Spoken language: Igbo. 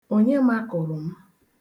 Onye makụrụ m?